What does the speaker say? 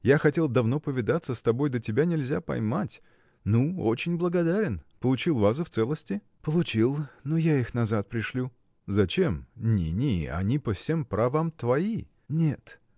Я хотел давно повидаться с тобой, да тебя нельзя поймать. Ну, очень благодарен! Получил вазы в целости? – Получил. Но я их назад пришлю. – Зачем? ни, ни: они по всем правам твои. – Нет!